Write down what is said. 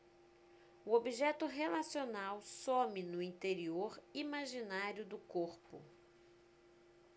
o objeto relacional some no interior imaginário do corpo